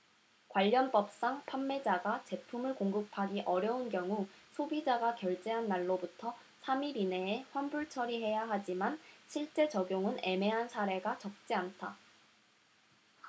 관련법상 판매자가 제품을 공급하기 어려운 경우 소비자가 결제한 날로부터 삼 일 이내에 환불처리해야 하지만 실제 적용은 애매한 사례가 적지 않다